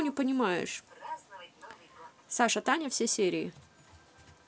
саша таня все серии